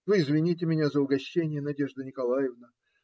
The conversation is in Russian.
- Вы извините меня за угощение, Надежда Николаевна.